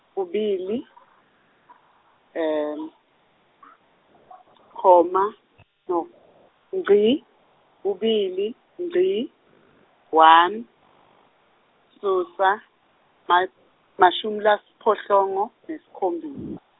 kubili comma no ngci, kubili, ngci, one, susa, ma- mashumi lasiphohlongo, nesikhombisa.